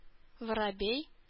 Воробей